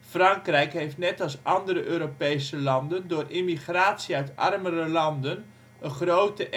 Frankrijk heeft net als andere Europese landen door de immigratie uit armere landen een grote